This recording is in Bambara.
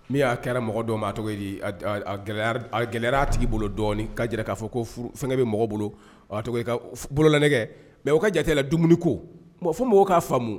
Min y'a kɛra mɔgɔ dɔn tɔgɔ gɛlɛyayara tigi bolo dɔɔnin kaa jira k'a fɔ ko fɛn bɛ mɔgɔ bolo ka boloɛnɛ mɛ u ka jate la dumuni ko fo mɔgɔw k'a faamumu